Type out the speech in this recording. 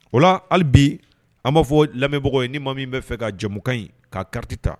O la hali bi an b'a fɔ lamɛnbagaw in ni ma min bɛ fɛ ka jamukan ɲi ka kariti ta